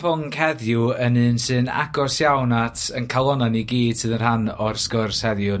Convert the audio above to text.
pwnc heddiw yn un sy'n agos iawn at 'yn calona i gyd sydd yn rhan o'r sgwrs heddiw.